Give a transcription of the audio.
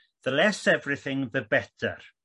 the less everything the better